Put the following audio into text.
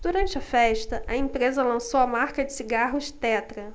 durante a festa a empresa lançou a marca de cigarros tetra